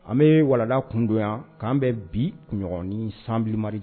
An bɛ walada kundon yan k' bɛ bi ɲɔgɔn sanbima